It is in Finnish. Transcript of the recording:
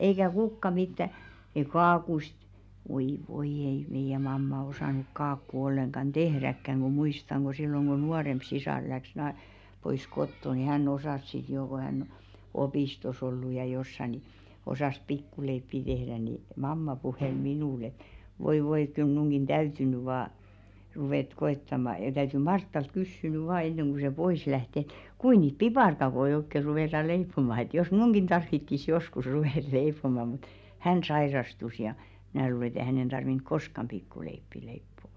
eikä kukaan mitään ei kakuista voi voi ei meidän mamma osannut kakkua ollenkaan tehdäkään kun muistan kun silloin kun nuorempi sisar lähti - pois kotoa niin hän osasi sitten jo kun hän opistossa ollut ja jossakin niin osasi pikkuleipiä tehdä niin mamma puheli minulle että voi voi kun kyllä minunkin täytyy nyt vain ruveta koettamaan ja täytyy Martalta kysyä nyt vain ennen kuin se pois lähti että kuinka niitä piparkakkuja oikein ruvetaan leipomaan että jos minunkin tarvitsisi joskus ruveta leipomaan mutta hän sairastui ja minä luulen että ei hänen tarvinnut koskaan pikkuleipiä leipoa